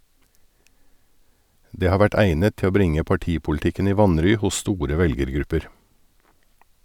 Det har vært egnet til å bringe partipolitikken i vanry hos store velgergrupper.